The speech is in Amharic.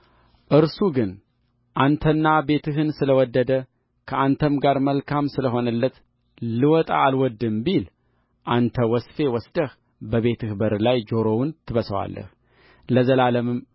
እርሱ ግን አንተንና ቤትህን ስለወደደ ከአንተም ጋር መልካም ስለ ሆነለት ልወጣ አልወድድም ቢል አንተ ወስፌ ወስደህ በቤትህ በር ላይ ጆሮውን ትበሳዋለህ ለዘላለምም